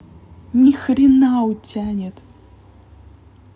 ни хрена утянет